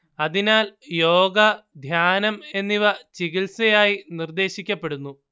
അതിനാൽ യോഗ ധ്യാനം എന്നിവ ചികിത്സയായി നിർദ്ദേശിക്കപ്പെടുന്നു